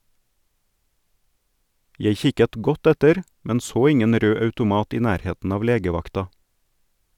Jeg kikket godt etter, men så ingen rød automat i nærheten av legevakta.